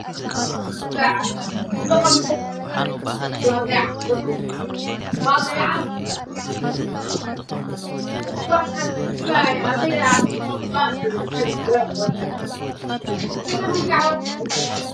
Waa wado gaariyaal yuudhiiya ah ayaa taagan